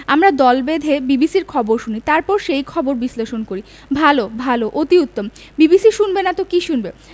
আমরা দল বেঁধে বিবিসির খবর শুনি তারপর সেই খবর বিশ্লেষণ করি ভাল ভাল অতি উত্তম বিবিসি শুনবেনা তো কি শুনবে